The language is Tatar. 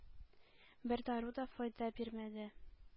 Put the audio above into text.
Бер дару да файда бирмәде.